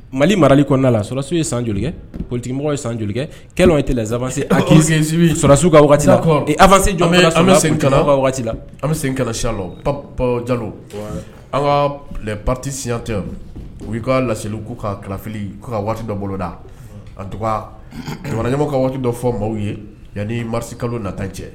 Mali marali kɔnɔna la sɔsiw ye san jolikɛtigimɔgɔ ye san jolikɛ kɛ ye tɛ sabansesiw ka waatilase jɔn an ka la an bɛ sen kasilop jalo an ka patisi tɛ u y'i ka laeliliku ka kalafili ka waati dɔ boloda an jamanamɔgɔ ka waati dɔ fɔ maaw ye yan marisi kalo na tan cɛ